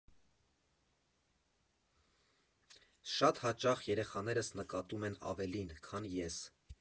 Շատ հաճախ երեխաներս նկատում են ավելին, քան ես։